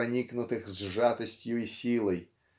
проникнутых сжатостью и силой